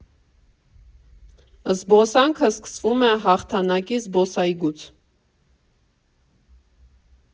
Զբոսանքը սկսվում է Հաղթանակի զբոսայգուց։